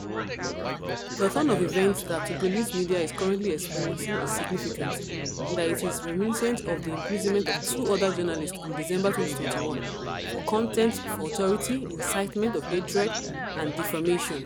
The turn of events that Togolese media is currently experiencing is significant, in that it is reminiscent of the imprisonment of two other journalists in December 2021 for contempt for authority, incitement of hatred and defamation.